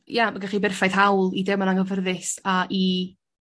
ia ma' gennych chi berffaith hawl i deimlo'n anghyffyrddus a i